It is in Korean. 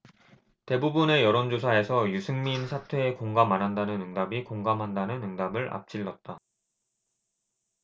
대부분의 여론조사에서 유승민 사퇴에 공감 안 한다는 응답이 공감한다는 응답을 앞질렀다